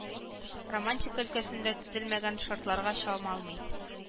Романтика өлкәсендә түзелмәгәң шартларга чамалый